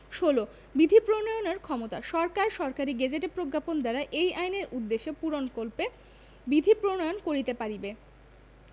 ১৬ বিধি প্রণয়নের ক্ষমতাঃ সরকার সরকারী গেজেটে প্রজ্ঞাপন দ্বারা এই আইনের উদ্দেশ্য পূরণকল্পে বিধি প্রণয়ন করিতে পারিবে